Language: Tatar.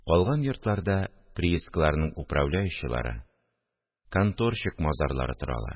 Калган йортларда приискаларның управляющийлары, конторщик-мазарлары торалар